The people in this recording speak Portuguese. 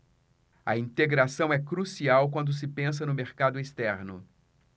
a integração é crucial quando se pensa no mercado externo